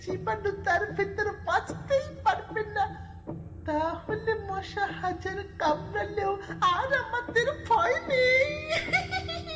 জীবাণু তার ভেতরে বাঁচতেই পারবে না তাহলে মশা হাজার কামড়ালে আর আমাদের ভয় নেই